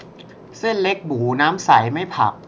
เส้นเล็กหมูน้ำใสไม่ผัก